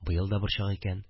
Быел да борчак икән